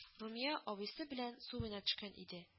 Румия абыйсы белән су буена төшкән иде